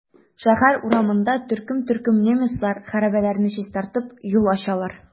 Шәһәр урамнарында төркем-төркем немецлар хәрабәләрне чистартып, юл ачалар.